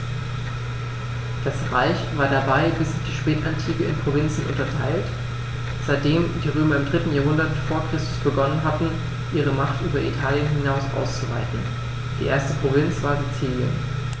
Das Reich war dabei bis in die Spätantike in Provinzen unterteilt, seitdem die Römer im 3. Jahrhundert vor Christus begonnen hatten, ihre Macht über Italien hinaus auszuweiten (die erste Provinz war Sizilien).